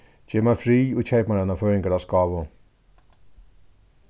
gev mær frið og keyp mær eina føðingardagsgávu